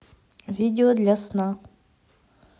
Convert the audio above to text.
видео для сна